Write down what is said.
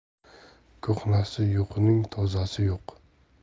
ko'hnasi yo'qning tozasi yo'q